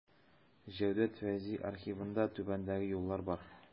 Җәүдәт Фәйзи архивында түбәндәге юллар бар.